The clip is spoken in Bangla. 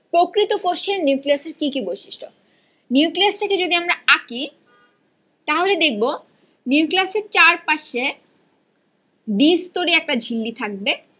প্রকৃত কোষের নিউক্লিয়াসে কি কি বৈশিষ্ট্য নিউক্লিয়াস থাকে যদি আমরা আকি তাহলে দেখব নিউক্লিয়াসের চারপাশে দ্বিস্তরী একটা চিল্লি থাকবে